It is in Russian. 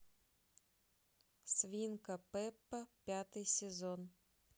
свинка пеппа пятый сезон